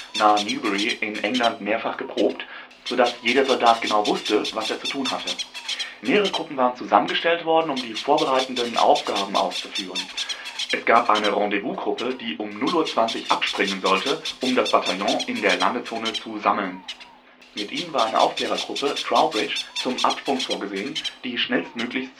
nahe Newbury in England mehrfach geprobt, so dass jeder Soldat genau wusste, was er zu tun hatte. Mehrere Gruppen waren zusammengestellt worden um die vorbereitenden Aufgaben auszuführen. Es gab eine Rendezvous-Gruppe, die um 0:20 Uhr abspringen sollte um das Bataillon in der Landezone zu sammeln. Mit ihnen war eine Aufklärer-Gruppe (Troubridge) zum Absprung vorgesehen, die schnellstmöglich